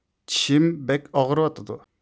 چىشىم بەك ئاغرىۋاتىدۇ